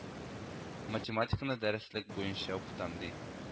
Математиканы дәреслек буенча укытам , ди